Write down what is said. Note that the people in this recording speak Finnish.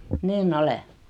niin olen